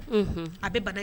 Un a bɛ ba